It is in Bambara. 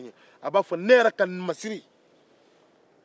a b'a fɔ ne yɛrɛ ka masiri